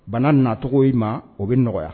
Bana nacogo ma o bɛ nɔgɔya